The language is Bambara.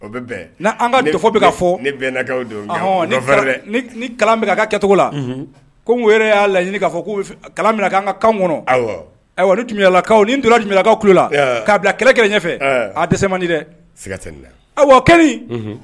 O bɛ bɛn ni an ka bɛ ka fɔ bɛnkaw don ni ka kɛcogo la ko n yɛrɛ y'a laɲini k'a fɔ ko min' ka kan kɔnɔ ni tun bɛ yalakaw ni tora tunkaw ku la' bila kɛlɛ kelen ɲɛfɛ a dɛsɛse man di dɛiga